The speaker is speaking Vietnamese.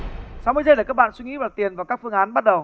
sáu mươi giây để các bạn suy nghĩ và đặt tiền vào các phương án bắt đầu